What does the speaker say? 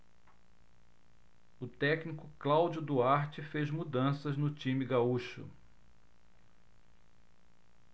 o técnico cláudio duarte fez mudanças no time gaúcho